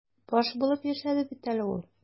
Баш булып яшәде бит әле ул.